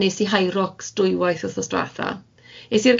A nes i Hyrox dwywaith wthos dwetha, es i'r gampfa